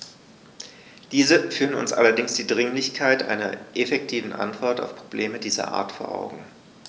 Diese führen uns allerdings die Dringlichkeit einer effektiven Antwort auf Probleme dieser Art vor Augen.